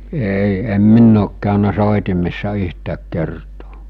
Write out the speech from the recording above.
ei en minä ole käynyt soitimessa yhtään kertaa